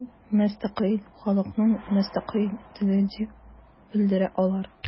Бу – мөстәкыйль халыкның мөстәкыйль теле дип белдерә алар.